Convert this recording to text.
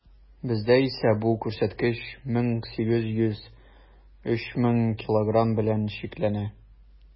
Бездә исә бу күрсәткеч 1800 - 3000 килограмм белән чикләнә.